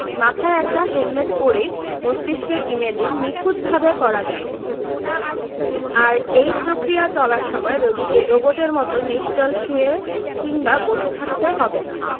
মাথায় একটা হেলমেট পরেই মস্তিষ্কের ইমেজিং নিখুঁতভাবে করা যাবে আর এই প্রক্রিয়া চলার সময় রোগীকে রোবটের মতো নিশ্চল শুয়ে কিংবা বসে থাকতে হবে না